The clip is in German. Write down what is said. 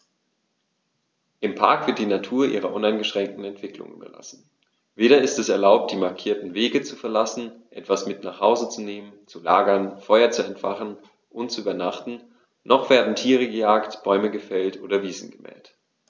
Im Park wird die Natur ihrer uneingeschränkten Entwicklung überlassen; weder ist es erlaubt, die markierten Wege zu verlassen, etwas mit nach Hause zu nehmen, zu lagern, Feuer zu entfachen und zu übernachten, noch werden Tiere gejagt, Bäume gefällt oder Wiesen gemäht.